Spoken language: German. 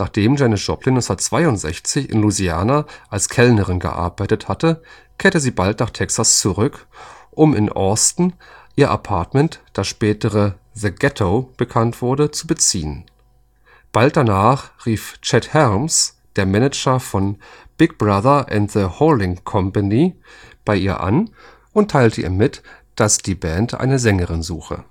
Janis Joplin 1962 in Louisiana als Kellnerin gearbeitet hatte, kehrte sie bald nach Texas zurück, um in Austin ihr Appartement, das später als The Ghetto bekannt wurde, zu beziehen. Bald danach rief Chet Helms, der Manager von Big Brother And The Holding Company bei ihr an und teilte ihr mit, dass die Band eine Sängerin suche